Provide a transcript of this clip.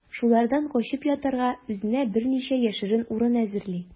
Шуларда качып ятарга үзенә берничә яшерен урын әзерли.